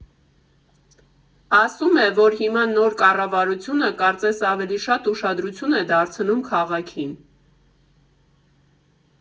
Ասում է, որ հիմա նոր կառավարութունը, կարծես, ավելի շատ ուշադություն է դարձնում քաղաքին։